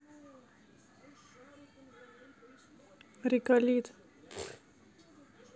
риколит